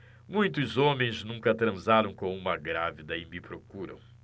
muitos homens nunca transaram com uma grávida e me procuram